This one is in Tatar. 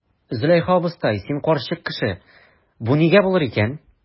Зөләйха абыстай, син карчык кеше, бу нигә булыр икән?